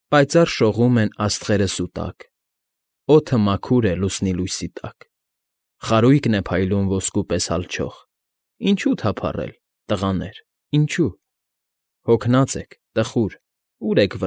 Պայծառ շողում են Աստղերը սուտակ, Օդը մաքուր է Լուսնի լույսի տակ, Խարույկն է փայլում Ոսկու պես հալչող. Ինչո՞ւ թափառել, Տղաներ, ինչո՞ւ… Հոգնած եք, խուր, Ո՞ւր եք։